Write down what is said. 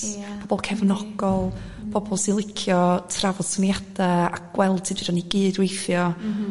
a... pobol cefnogol pobol sy'n licio trafod syniada' a gweld sud fedra ni gydweithio